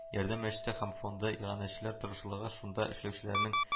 “ярдәм” мәчете һәм фонды, иганәчеләр тырышлыгы, шунда эшләүчеләрнең